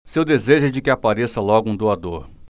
seu desejo é de que apareça logo um doador